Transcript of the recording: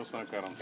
neuf cent quarante